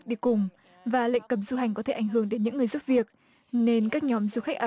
đi cùng và lệnh cấm du hành có thể ảnh hưởng đến những người giúp việc nên các nhóm du khách